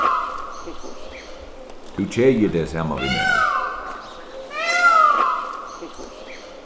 tú keðir teg saman við mær